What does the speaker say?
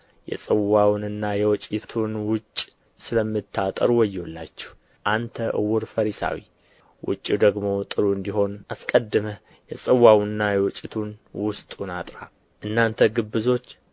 የጽዋውንና የወጭቱን ውጭ ስለምታጠሩ ወዮላችሁ አንተ ዕውር ፈሪሳዊ ውጭው ደግሞ ጥሩ እንዲሆን አስቀድመህ የጽዋውንና የወጭቱን ውስጡን አጥራ እናንተ ግብዞች